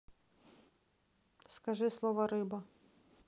скажи слово рыба